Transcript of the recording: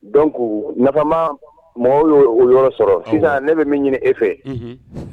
Donc nafama mɔgɔw y'o yɔrɔ sɔrɔ sisan ne bɛ min ɲini e fɛ